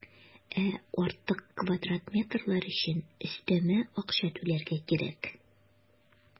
Ә артык квадрат метрлар өчен өстәмә акча түләргә кирәк.